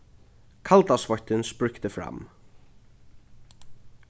kaldasveittin spríkti fram